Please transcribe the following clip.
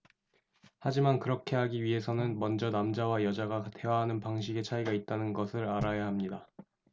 하지만 그렇게 하기 위해서는 먼저 남자와 여자가 대화하는 방식에 차이가 있다는 것을 알아야 합니다